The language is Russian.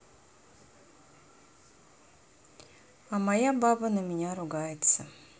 а моя баба на меня ругается